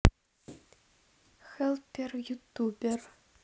хелпер ютуб